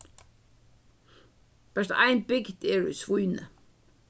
bert ein bygd er í svínoy